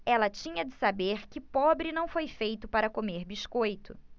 ela tinha de saber que pobre não foi feito para comer biscoito